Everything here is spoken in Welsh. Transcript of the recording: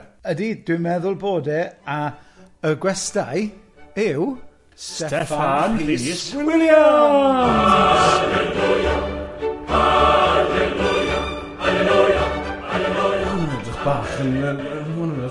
Ydi, dwi'n meddwl bod e, a y gwestai yw Steffan Rhys Williams!